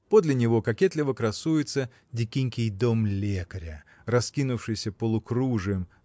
Подле него кокетливо красуется дикенький дом лекаря раскинувшийся полукружием